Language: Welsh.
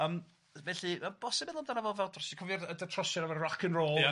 Yym felly ma'n bosib meddwl amdano fo fel tros- cofio'r yy y trosiad efo'r rock and roll... Ia...